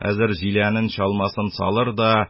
Хәзер җиләнен, чалмасын салыр да